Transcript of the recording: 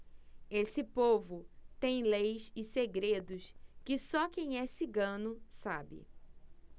esse povo tem leis e segredos que só quem é cigano sabe